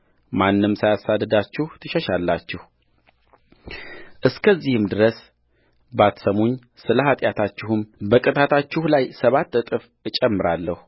ማንም ሳያሳድዳችሁ ትሸሻላችሁእስከዚህም ድረስ ባትሰሙኝ ስለ ኃጢአታችሁ በቅጣታችሁ ላይ ሰባት እጥፍ እጨምራለሁ